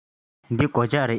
འདི སྒོ ལྕགས རེད